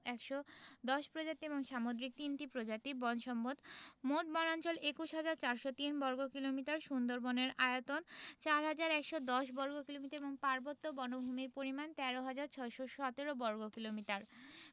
১১০ প্রজাতি ও সামুদ্রিক ৩ টি প্রজাতি বন সম্পদঃ মোট বনাঞ্চল ২১হাজার ৪০৩ বর্গ কিলোমিটার সুন্দরবনের আয়তন ৪হাজার ১১০ বর্গ কিলোমিটার এবং পার্বত্য বনভূমির পরিমাণ ১৩হাজার ৬১৭ বর্গ কিলোমিটার